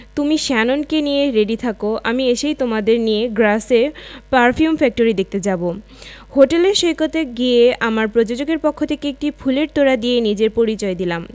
তুমি শ্যাননকে নিয়ে রেডি থেকো আমি এসেই তোমাদের নিয়ে গ্রাসে পারফিউম ফ্যাক্টরি দেখতে যাবো হোটেলের সৈকতে গিয়ে আমার প্রযোজকের পক্ষ থেকে একটি ফুলের তোড়া দিয়ে নিজের পরিচয় দিলাম